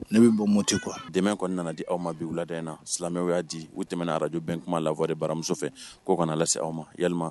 Ne min bɔ moti kuwa dɛmɛ kɔnɔna nana di aw ma bi wulada in na silamɛmɛw y'a di u tɛmɛna araj bɛn kuma lawaleɔri baramuso fɛ k koo kana lase se aw ma ya